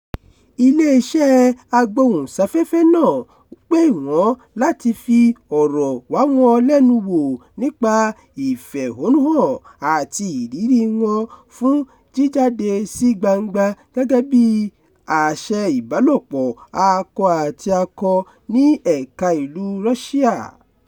Ilé-iṣẹ́ agbóhùnsáfẹ́fẹ́ náà pè wọ́n láti fi ọ̀rọ̀ wá wọn lẹ́nu wò nípa ìfẹ̀hónúhàn àti ìrírí wọn fún jíjáde sí gbangba gẹ́gẹ́ bíi aṣe-ìbálòpọ̀-akọ-àti-akọ ní ẹ̀ka-ìlúu Russia.